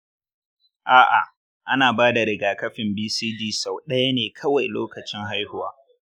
a'a, ana bada rigakafin bcg sau ɗaya ne kawai loakcin haihuwa.